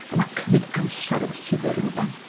A ma cymyd amser efo llyfr yn rywbeth...